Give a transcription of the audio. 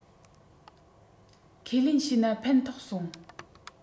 ཁས ལེན བྱས ན ཕན ཐོགས སོང